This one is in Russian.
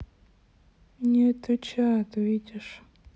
не отвечает видишь